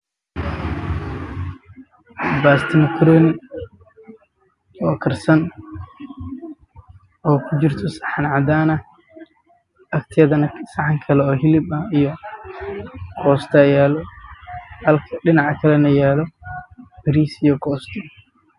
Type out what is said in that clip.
Waa sedax saxan waxaa kala saran sedax cunta OO kala duwan